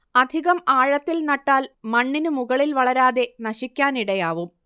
അധികം ആഴത്തിൽ നട്ടാൽ മണ്ണിനു മുകളിൽ വളരാതെ നശിക്കാനിടയാവും